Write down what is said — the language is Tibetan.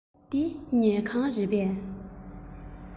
འདི ཉལ ཁང རེད པས